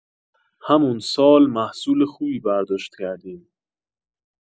همون سال محصول خوبی برداشت کردیم.